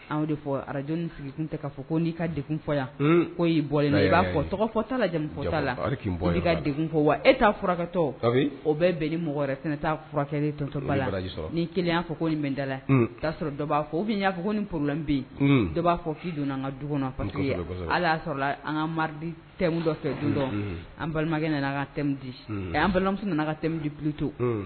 Anw de fɔ arajni sigilen tɛ k' fɔ ko n'i ka fɔ yan ko'i bɔ i b'a fɔ tɔgɔ fɔtala ka wa e taa furakɛtɔ o bɛɛ bɛn ni mɔgɔ wɛrɛ taa furakɛtoba la ni kelen fɔ ko bɛda'a sɔrɔ dɔ b'a fɔ u bɛ' fɔ niorolan bɛ dɔ b'a fɔ' donna an ka du ye ala y'a sɔrɔ an ka dɔ fɛ an balimakɛ nana an ka tɛmɛdi an balimamuso nana ka tɛmɛ di butu